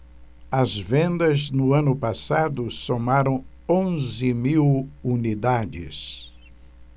as vendas no ano passado somaram onze mil unidades